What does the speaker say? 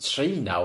Treunaw?